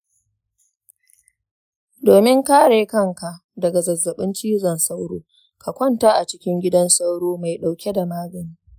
domin kare kanka daga zazzabin cizon sauro, ka kwanta a cikin gidan sauro mai dauke da magani